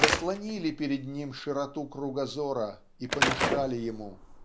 заслонили перед ним широту кругозора и помешали ему.